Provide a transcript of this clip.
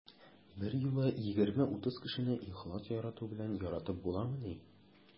Берьюлы 20-30 кешене ихлас ярату белән яратып буламыни?